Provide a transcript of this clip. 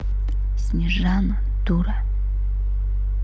снежана дура